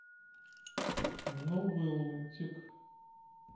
новый лунтик